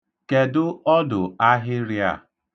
Kedụ ọdụ ahịrịa a?